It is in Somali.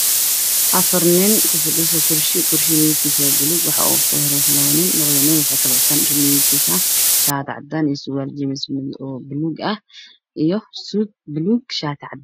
Halkaan waxaa ka muuqdo labo nin mid wuxuu qabaa suit buluug ah iyo shaati cadaan mid kalena wuxuu qabaa shaati cadaan ah labaduba waxay qabaan jeemis buluug ah